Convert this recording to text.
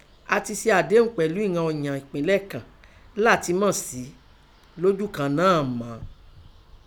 A tẹ se àdéhùn pẹ̀lú ìnan ọ̀ǹyàn ẹ̀pínlẹ̀ kàn látin mọ́ọ̀ sin lójú kàn náà mọ́.